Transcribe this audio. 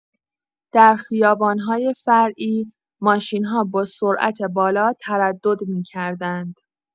در خیابان‌های فرعی، ماشین‌ها با سرعت بالا تردد می‌کردند.